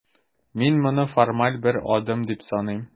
Мин моны формаль бер адым дип саныйм.